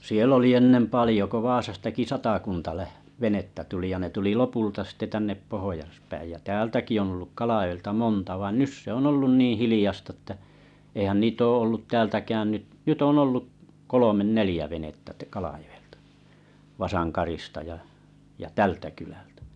siellä oli ennen paljon kun Vaasastakin satakunta - venettä tuli ja ne tuli lopulta sitten tänne pohjaspäin ja täältäkin on ollut Kalajoelta monta vaan nyt se on ollut niin hiljaista että eihän niitä ole ollut täältäkään nyt nyt on ollut kolme neljä venettä - Kalajoelta Vasankarista ja ja tältä kylältä